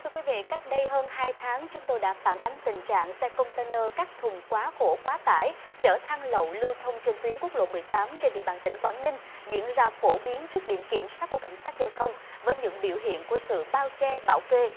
thưa quý vị cách đây hơn hai tháng chúng tôi đã phản ánh tình trạng xe công te nơ các thùng quá khổ quá tải chở than lậu lưu thông trên tuyến quốc lộ mười tám trên địa bàn tỉnh quảng ninh diễn ra phổ biến trước điểm kiểm soát của cảnh sát giao thông với những biểu hiện của sự bao che bảo kê